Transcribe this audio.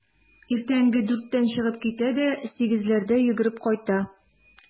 Иртәнге дүрттән чыгып китә дә сигезләрдә йөгереп кайта.